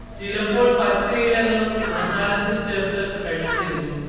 ചിലപ്പോൾ പച്ചയിലകളും ആഹാരത്തിൽ ചേർത്തു കഴിച്ചിരുന്നു